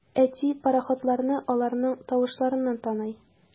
Әти пароходларны аларның тавышларыннан таный.